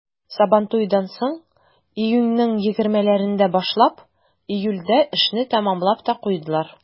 Сабантуйдан соң, июньнең 20-ләрендә башлап, июльдә эшне тәмамлап та куйдылар.